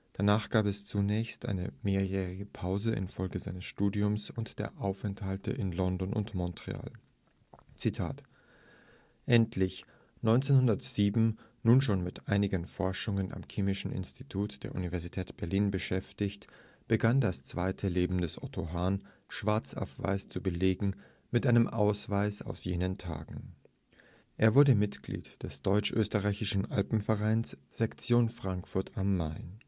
Danach gab es zunächst eine mehrjährige Pause infolge seines Studiums und der Aufenthalte in London und Montreal. Otto Hahn im Juni 1965 auf einer Dampferfahrt nach Speyer „ Endlich, 1907, nun schon mit eigenen Forschungen am Chemischen Institut der Universität Berlin beschäftigt, begann das zweite Leben des Otto Hahn, schwarz auf weiß zu belegen mit einem Ausweis aus jenen Tagen: Er wurde Mitglied des Deutsch-Österreichischen Alpenvereins, Sektion Frankfurt am Main